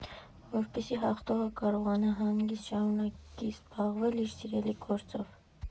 Որպեսզի հաղթողը կարողանա հանգիստ շարունակի զբաղվել իր սիրելի գործով։